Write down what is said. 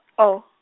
O.